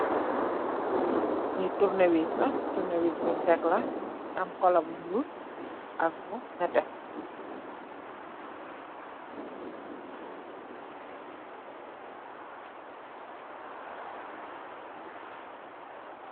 Li turneh wiss la bunj tek munge. am colour bu nyull ak neteh